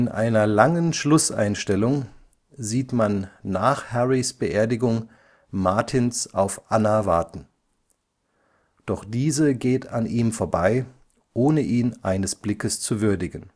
einer langen Schlusseinstellung sieht man nach Harrys Beerdigung Martins auf Anna warten. Doch diese geht an ihm vorbei, ohne ihn eines Blickes zu würdigen